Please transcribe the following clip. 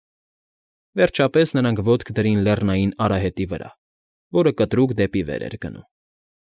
Վերջապես նրանք ոտք դրին լեռնային արահետի վրա, որը կտրուկ դեպի վեր էր գնում։